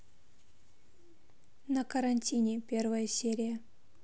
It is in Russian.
на карантине первая серия